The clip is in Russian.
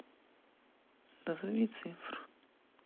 назови цифру